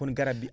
kon garab bi